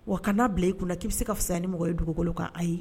Wa kana bila i kun k'i bɛ se ka fisa ni mɔgɔ ye dugukolo kan ayi ye